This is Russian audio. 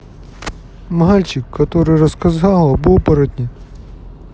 мальчик который рассказывал об оборотне